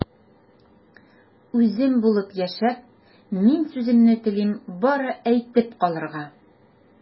Үзем булып яшәп, мин сүземне телим бары әйтеп калырга...